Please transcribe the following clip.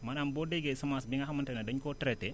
maanaam boo déggee semence bi nga xamante ne dañu koo traité